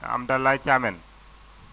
Amndalaa Thiameen